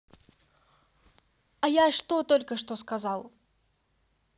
а я что только что сказал